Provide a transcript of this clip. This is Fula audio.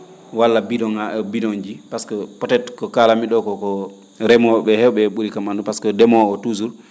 walla bidon ?aa bidon ji pasque peut étre ko kaalatmi ?o koo ko reemo?e hew?e ?uri kam anndu pasque ndemoowo toujours